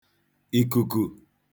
ìkùkù